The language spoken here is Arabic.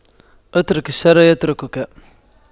اترك الشر يتركك